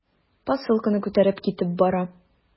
Посылканы күтәреп китеп бара.